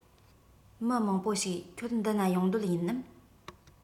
མི མང པོ ཞིག ཁྱོད འདི ན ཡོང འདོད ཡིན ནམ